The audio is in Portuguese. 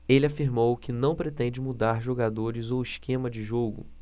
ele afirmou que não pretende mudar jogadores ou esquema de jogo